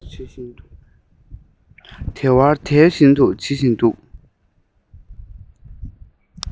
དལ བ དལ བུར འབྱིད བཞིན འདུག